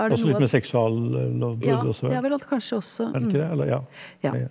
også litt med seksuallovbrudd også er det ikke det eller ja ?